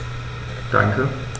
Danke.